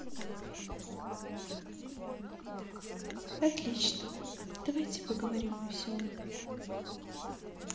отлично давайте поговорим о веселом